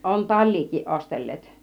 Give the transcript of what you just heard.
on taliakin ostelleet